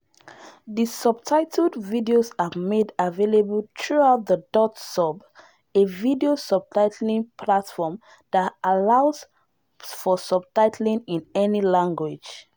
The subtitled videos are made available through the dotSUB, a video subtitling platform that allows for subtitling in any language.